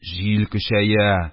Җил көчәя.